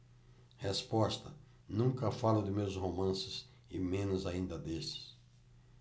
resposta nunca falo de meus romances e menos ainda deste